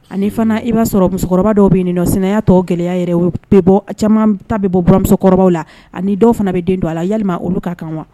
Ani fana i b'a sɔrɔ musokɔrɔba dɔw bɛ nin nɔ senaya tɔ gɛlɛya yɛrɛ bɛ bɔ caman ta bɛ bɔ buranmusokɔrɔbaw la ani dɔw fana bɛ den don a la yalima olu ka kan wa